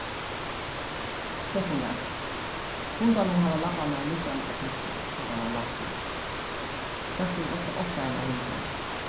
setningar hundarnir hava labbarnar liggjandi á kantinum tá teir hava lært tað fólk eru ofta ovfarin av hundinum